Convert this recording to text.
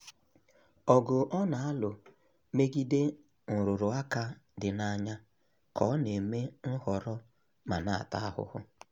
Ọgụ ọ na-alụ megide nrụrụ aka dị n'anya ka ọ na-eme nhọrọ ma na-ata ahụhụ.